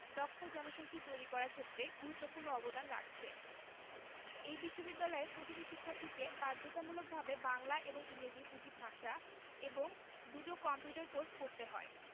দক্ষ জনশক্তি তৈরি করার ক্ষেত্রে গুরুত্বপূর্ণ অবদান রাখছে এই বিশ্ববিদ্যালয়ে প্রতিটি শিক্ষার্থীকে বাধ্যতামূলকভাবে বাংলা এবং ইংরেজি দুটো ভাষা এবং দুটো কম্পিউটার কোর্স পড়তে হয়